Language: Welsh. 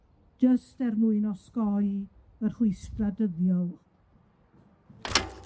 jyst er mwyn osgoi y rhwystra' dyddiol.